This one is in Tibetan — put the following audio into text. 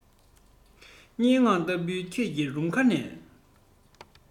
སྙན ངག ལྟ བུའི ཁྱོད ཀྱི རུམ ཁ ནས